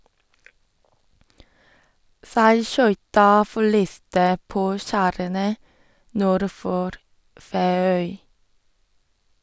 Seilskøyta forliste på skjærene nord for Feøy.